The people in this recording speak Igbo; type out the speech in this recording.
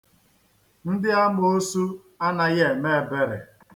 Ndị amoosu anaghị eme ebere.